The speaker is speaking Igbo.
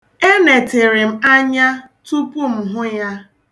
E netịrị m anya tupu m hụ ya.